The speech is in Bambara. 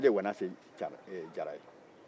o de ye wanase cari ee jaara ye